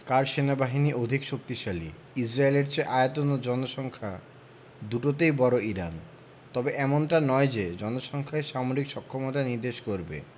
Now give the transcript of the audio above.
কার সেনাবাহিনী অধিক শক্তিশালী ইসরায়েলের চেয়ে আয়তন ও জনসংখ্যা দুটোতেই বড় ইরান তবে এমনটা নয় যে জনসংখ্যাই সামরিক সক্ষমতা নির্দেশ করবে